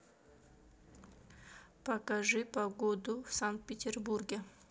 покажи погоду в санкт петербурге